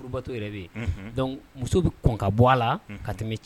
Muso bɛ ka bɔ a la tɛmɛ